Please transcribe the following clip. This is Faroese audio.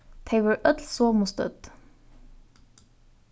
tey vóru øll somu stødd